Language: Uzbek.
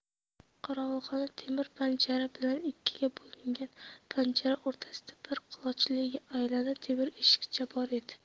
qorovulxona temir panjara bilan ikkiga bo'lingan panjara o'rtasida bir qulochli aylana temir eshikcha bor edi